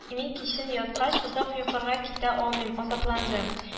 Мин кичен яткач, озак йокыга китә алмый азапландым